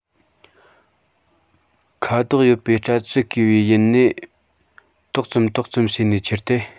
ཁ དོག ཡོད པའི པྲ ཚིལ བསྐུས པའི ཡུལ ནས ཏོག ཙམ ཏོག ཙམ བྱས ནས ཁྱེར ཏེ